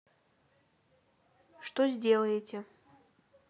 что сделаете